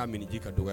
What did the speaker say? A kaa ɲini ji ka don